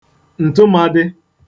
ǹtụmādị̄